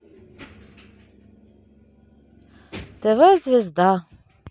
тв звезда